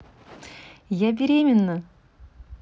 я беременна